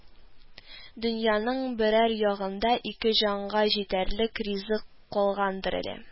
Дөньяның берәр ягында ике җанга җитәрлек ризык калгандыр әле